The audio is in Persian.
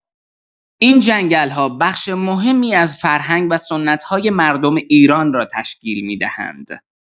این جنگل‌ها بخش مهمی از فرهنگ و سنت‌های مردم ایران را تشکیل می‌دهند.